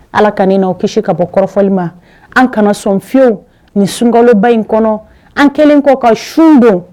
Ala ka'aw kisi ka bɔ kɔrɔfɔfɔli ma an kana sɔn fiyewu nin sungɔba in kɔnɔ an kɛlen kɔ ka sun don